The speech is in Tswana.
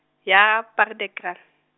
ya, Paardekraal.